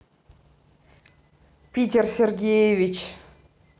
питер сергеевич